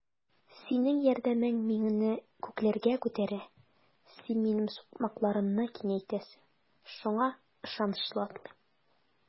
Синең ярдәмең мине күкләргә күтәрә, син минем сукмакларымны киңәйтәсең, шуңа ышанычлы атлыйм.